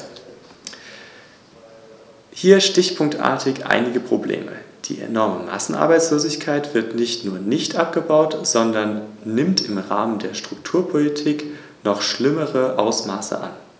Deshalb möchte ich auf einige Probleme aufmerksam machen, denen sich die Kommission vorrangig widmen sollte.